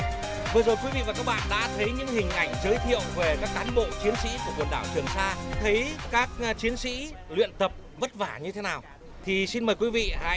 vừa rồi quý vị và các bạn đã thấy những hình ảnh giới thiệu về các cán bộ chiến sĩ của quần đảo trường sa thấy các chiến sĩ luyện tập vất vả như thế nào thì xin mời quý vị hãy